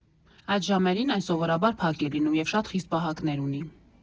Այդ ժամերին այն սովորաբար փակ է լինում և շատ խիստ պահակներ ունի։